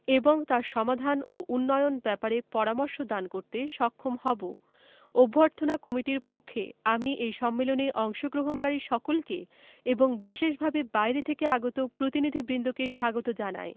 এবং তার সমাধান ও উন্নয়ন ব্যাপারে পরামর্শ দান করতে সক্ষম হবো অভ্যর্থনা কমিটির পক্ষে আমি এই সম্মেলনে অংশগ্রহণকারী সকলকে ও বিশেষভাবে বাইরে থেকে আগত প্রতিনিধিবৃন্দকে স্বাগত জানাই